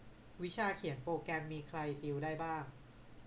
วิชาเขียนโปรแกรมมีใครติวได้บ้าง